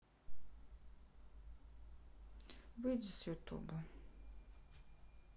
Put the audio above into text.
выйди с ютуба